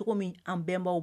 Cogo min an bɛnbawaw